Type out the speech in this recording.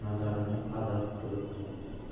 nazarini qadab turibdi